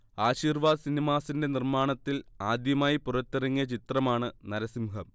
ആശീർവാദ് സിനിമാസിന്റെ നിർമ്മാണത്തിൽ ആദ്യമായി പുറത്തിറങ്ങിയ ചിത്രമാണ് നരസിംഹം